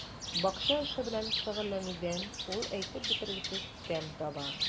Бакча эше белән шөгыльләнүдән ул әйтеп бетергесез тәм таба.